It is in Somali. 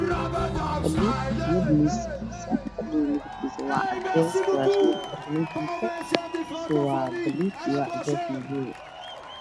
Waa fadhi iyo miiskiisa fadhiga midabkiisa waa caddeys dhulka waa cadays daah ayaa ku xiran guriga